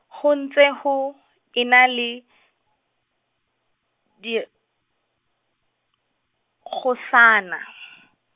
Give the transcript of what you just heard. ho ntse ho, ena le, dikgosana .